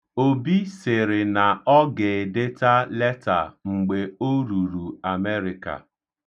Obi sịrị na ọ ga-edeta leta mgbe o ruru Amerịka.